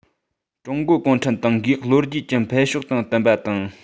ཀྲུང གོ གུང ཁྲན ཏང གིས ལོ རྒྱུས ཀྱི འཕེལ ཕྱོགས དང བསྟུན པ དང